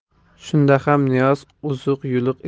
shunda ham niyoz uzuq yuluq